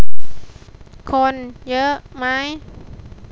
คนเยอะไหม